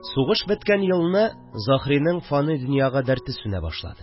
Сугыш беткән елны Заһриның фани дөньяга дәрте сүнә башлады